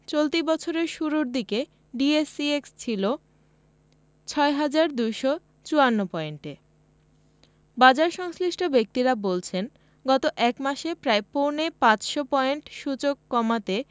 চলতি বছরের শুরুর দিনে ডিএসইএক্স ছিল ৬ হাজার ২৫৪ পয়েন্টে বাজারসংশ্লিষ্ট ব্যক্তিরা বলছেন গত এক মাসে প্রায় পৌনে ৫০০ পয়েন্ট সূচক কমাতে